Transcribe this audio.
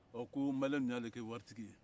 ko maliyenw de y'ale kɛ waritigi ye